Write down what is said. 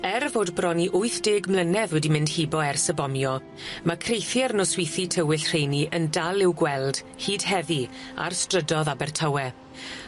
Er fod bron i wyth deg mlynedd wedi mynd hibo ers y bomio ma' creithie'r nosweithi tywyll rheini yn dal i'w gweld, hyd heddi ar strydodd Abertawe.